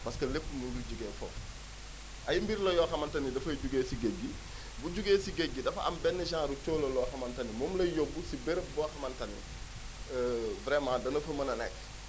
parce que lépp mu ngi jógee foofu ay mbir la yoo xamante ni dafay jógee si géej gi bu jógee si géej gi dafa am benn genre ru cóolóol loo xamante ni moom lay yóbbu si béréb boo xamante ni vraiment dana fa mën a nekk